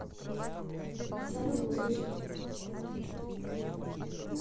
салют мыслишки